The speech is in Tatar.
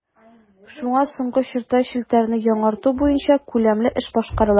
Шуңа соңгы чорда челтәрне яңарту буенча күләмле эш башкарыла.